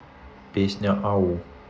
песня ау